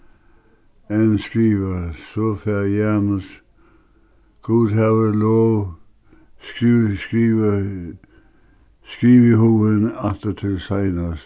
enn skriva so fær janus gud havi lov skrivað skrivihugin aftur til seinast